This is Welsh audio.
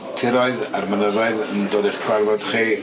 tiroedd a'r mynyddoedd yn dod i'ch cwarfod chi.